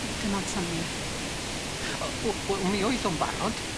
Dim ots am 'ny. O- w- w- mi oedd o'n barod.